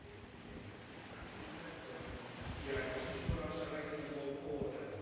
He's giving me mixed signals, because he's the type of boy who'd be like; "yeah, if I see someone else I like I'm gonna go for 'em.*"